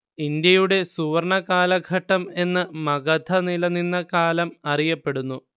ഇന്ത്യയുടെ സുവര്‍ണ്ണ കാലഘട്ടം എന്ന് മഗധ നിലനിന്ന കാലം അറിയപ്പെടുന്നു